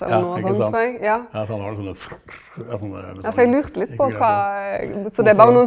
ja ikke sant ja så han har noen sånne noen sånne .